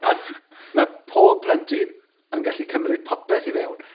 Ond mae pob plentyn yn gallu cymryd popeth i fewn.